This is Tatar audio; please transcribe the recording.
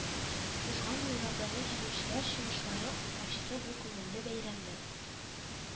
Узган еллардагы җиңүчеләр чыгышлары ачты бу күңелле бәйрәмне